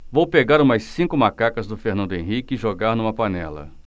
vou pegar umas cinco macacas do fernando henrique e jogar numa panela